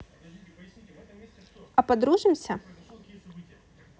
а подружимся